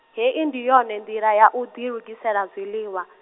hei ndi yone ndila ya u ḓilugisela zwiḽiwa.